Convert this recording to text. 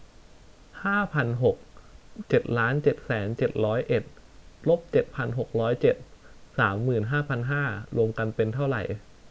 ห้าพันหกเจ็ดล้านเจ็ดแสนเจ็ดร้อยเอ็ดลบเจ็ดพันหกร้อยเจ็ดสามหมื่นห้าพันห้ารวมกันเป็นเท่าไหร่